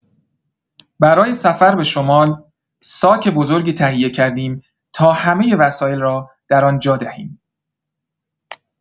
برای سفر به شمال، ساک بزرگی تهیه کردیم تا همه وسایل را در آن جا دهیم.